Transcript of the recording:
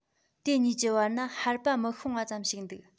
དེ གཉིས ཀྱི བར ན ཧར པ མི ཤོང བ ཙམ ཞིག འདུག